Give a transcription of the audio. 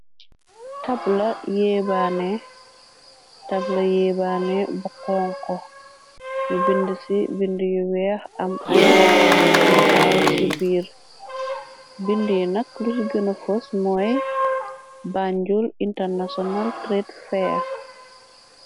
Tabla yeebaane bu kon ko ni bind ci bind yi weex am ay natal ci biir bind yi nak lus gëna fos mooy bànjul internasional trade fair.